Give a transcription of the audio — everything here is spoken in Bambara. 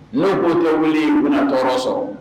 N'o' tɛ wuli bɛna tɔgɔw sɔrɔ